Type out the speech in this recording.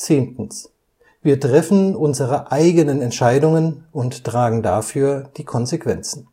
Mächte. Wir treffen unsere eigenen Entscheidungen und tragen dafür die Konsequenzen